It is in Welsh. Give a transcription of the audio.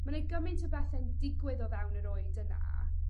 Ma 'na gymaint o bethe'n digwydd o fewn yr oed yna